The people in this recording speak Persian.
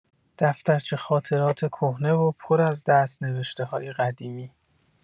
دفترچه خاطرات کهنه و پر از دست‌نوشته‌های قدیمی